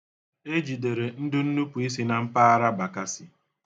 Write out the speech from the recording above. E jidere ndịnnupuisi na mpaghara Bakasị